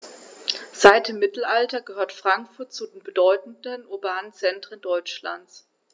Seit dem Mittelalter gehört Frankfurt zu den bedeutenden urbanen Zentren Deutschlands.